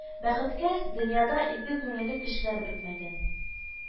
Бәхеткә, дөньяда изге күңелле кешеләр бетмәгән